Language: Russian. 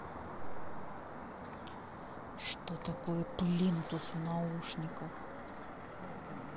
что такое плинтус в наушниках